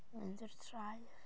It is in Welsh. Mynd i'r traeth.